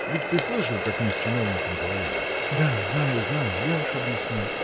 ведь ты слышал, как мы с чиновником говорили? – Да, знаю, знаю; уж я объясню.